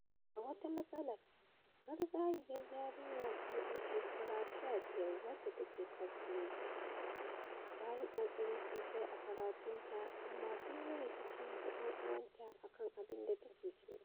A wata matsalar, marigayiyar yarinya ce 'yar shekaru 15 wadda take cosplay. Ta yi ƙoƙari sosai a karatunta amma sun yi rikici da 'yan'uwanta a kan abin da take so.